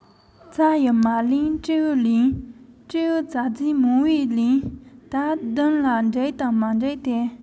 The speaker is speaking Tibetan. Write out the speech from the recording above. བྱ ཡི མ ལན སྤྲེའུས ལན སྤྲེའུ བྱ བྱེད མང བས ལན ད སྡུམ ལ འགྲིག དང མ འགྲིག དེ